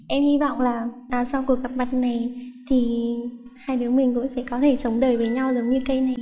em hy vọng là là sau cuộc gặp mặt này thì hai đứa mình cũng có thể sống đời với nhau như cây này